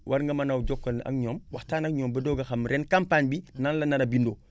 war nga mën a jokkale ak ñoom waxtaan ak ñoom ba doog a xam ren campagne bi nan la nar a bindoo